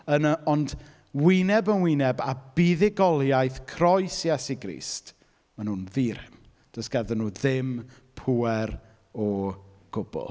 Yn y... Ond, wyneb yn wyneb â buddugoliaeth croes Iesu Grist, maen nhw'n ddur. Does ganddyn nhw ddim pŵer o gwbl.